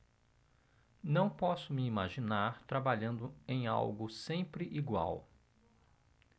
não posso me imaginar trabalhando em algo sempre igual